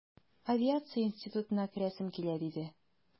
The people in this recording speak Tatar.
Авиация институтына керәсем килә, диде...